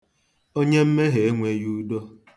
Onye mmehie enweghị udo.